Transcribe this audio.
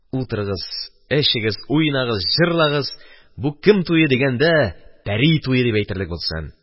Утырыгыз, эчегез, уйнагыз, җырлагыз, «бу кем туе» дигәндә, «пәри туе» дип әйтерлек булсын.